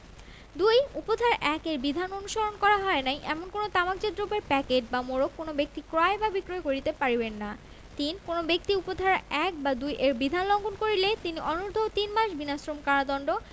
২ উপ ধারা ১ এর বিধান অনুসরণ করা হয় নাই এমন কোন তামাকজাত দ্রব্যের প্যাকেট বা মোড়ক কোন ব্যক্তি ক্রয় বা বিক্রয় করিতে পারিবে না ৩ কোন ব্যক্তি উপ ধারা ১ বা ২ এর বিধান লংঘন করিলে তিনি অনূর্ধ্ব তিনমাস বিনাশ্রম কারাদন্ড